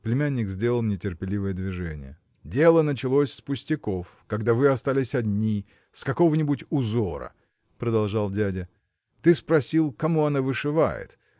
Племянник сделал нетерпеливое движение. – Дело началось с пустяков когда вы остались одни с какого-нибудь узора – продолжал дядя – ты спросил кому она вышивает?